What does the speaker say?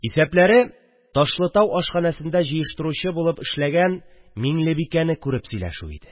Исәпләре – Ташлытау ашхәнәсендә җыештыручы булып эшләгән Миңлебикәне күреп сөйләшү иде